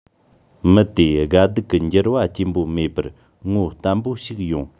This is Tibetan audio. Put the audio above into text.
མི དེ དགའ སྡུག གི འགྱུར བ སྐྱེན པོ མེད པར ངོ བརྟན པོ ཞིག ཡོང